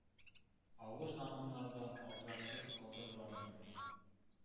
Авыр заманнарда абзарсыз калдырганмын.